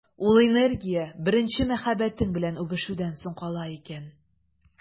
Ул энергия беренче мәхәббәтең белән үбешүдән соң кала икән.